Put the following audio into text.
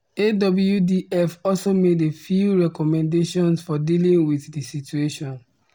AWDF also made a few recommendations for dealing with the situation.